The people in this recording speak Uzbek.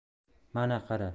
mana qara